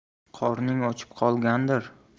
qorning ochib qolgandir